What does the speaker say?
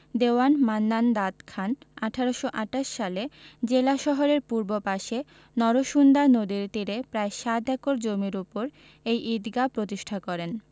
দেওয়ান মান্নান দাদ খান ১৮২৮ সালে জেলা শহরের পূর্ব পাশে নরসুন্দা নদীর তীরে প্রায় সাত একর জমির ওপর এই ঈদগাহ প্রতিষ্ঠা করেন